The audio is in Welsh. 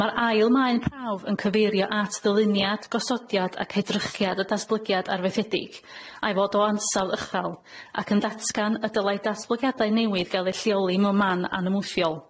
Ma'r ail maen prawf yn cyfeirio at ddyluniad gosodiad ac edrychiad y datblygiad arfeithiedig a'i fod o ansawd uchal ac yn datgan y dylai datblygiadau newydd gael eu lleoli mewn man anamwthiol.